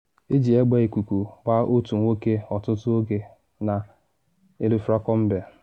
Eji egbe ikuku gbaa otu nwoke ọtụtụ oge na llfracombe